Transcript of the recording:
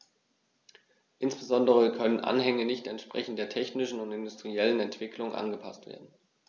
Insbesondere können Anhänge nicht entsprechend der technischen und industriellen Entwicklung angepaßt werden.